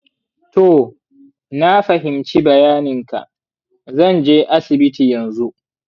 toh, na fahimci bayaninka, zan je asibiti yanzu.